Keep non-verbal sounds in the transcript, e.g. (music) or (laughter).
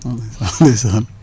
(hesitation) (laughs) ndeysaan